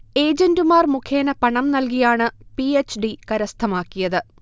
ഏജൻറുമാർ മുഖേന പണം നൽകിയാണ് പി. എച്ച്. ഡി. കരസ്ഥമാക്കിയത്